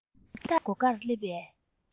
འཆི བདག གི སྒོ ཁར སླེབས པའི